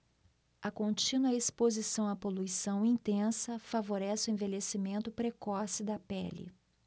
a contínua exposição à poluição intensa favorece o envelhecimento precoce da pele